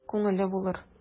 Күңеле булыр...